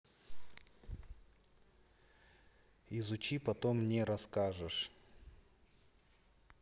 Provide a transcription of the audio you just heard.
изучи потом мне расскажешь